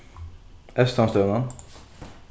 eystanstevnan